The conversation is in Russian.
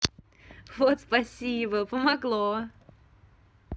вот спасибо помогло